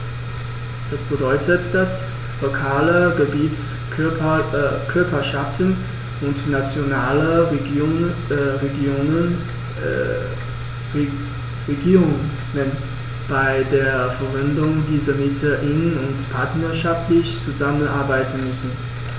Das bedeutet, dass lokale Gebietskörperschaften und nationale Regierungen bei der Verwendung dieser Mittel eng und partnerschaftlich zusammenarbeiten müssen.